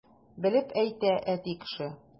Белеп әйтә әти кеше!